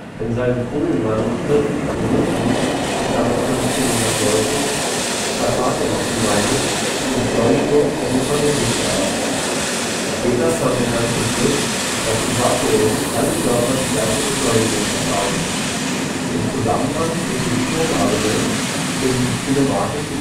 In seinem frühen Manuskript De motu (1590) vertrat er noch die Meinung, die Beschleunigung hänge von der Dichte ab. Später kam er dann zum Schluss, dass im Vakuum alle Körper die gleiche Beschleunigung erfahren. Im Zusammenhang mit dem Turmargument finden sich kinematische